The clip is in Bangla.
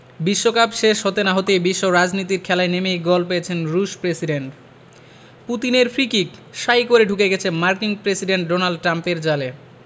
বিশ্বকাপ শেষে হতে না হতেই বিশ্ব রাজনীতির খেলায় নেমেই গোল পেয়েছেন রুশ পেসিডেন্ট পুতিনের ফ্রি কিক শাঁই করে ঢুকে গেছে মার্কিন প্রেসিডেন্ট ডোনাল্ড ট্রাম্পের জালে